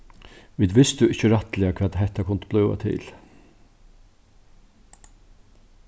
vit vistu ikki rættiliga hvat hetta kundi blíva til